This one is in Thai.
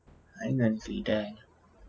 ให้เงินสีแดง